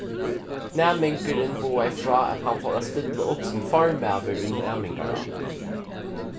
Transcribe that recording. næmingurin boðaði frá at hann fór at stilla upp sum formaður í næmingaráðnum